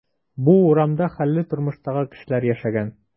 Бу урамда хәлле тормыштагы кешеләр яшәгән.